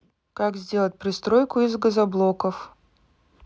как сделать пристройку из газоблоков